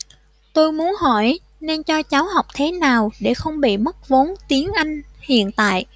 tôi muốn hỏi nên cho cháu học thế nào để không bị mất vốn tiếng anh hiện tại